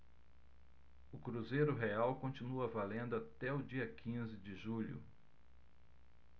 o cruzeiro real continua valendo até o dia quinze de julho